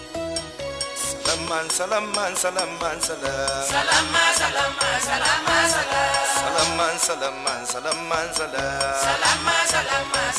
Masasalamasasalamasasalamasasamasasalamasamasasalamasasalamasasalamasamasa